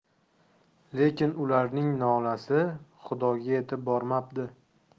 lekin ularning nolasi xudoga yetib bormabdi